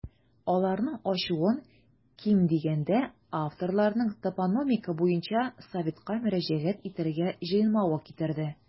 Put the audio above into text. Аларның ачуын, ким дигәндә, авторларның топонимика буенча советка мөрәҗәгать итәргә җыенмавы китерде.